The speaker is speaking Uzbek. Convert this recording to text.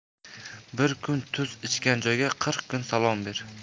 bir kun tuz ichgan joyga qirq kun salom ber